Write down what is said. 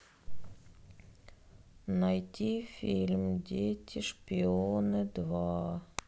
найти фильм дети шпионы два